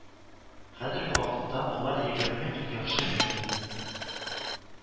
Хәзерге вакытта алар егерме иң яхшы медиа